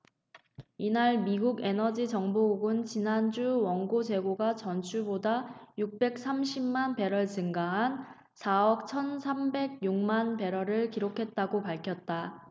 이날 미국 에너지정보국은 지난주 원유 재고가 전주보다 육백 삼십 만 배럴 증가한 사 억 천 삼백 여섯 만배럴을 기록했다고 밝혔다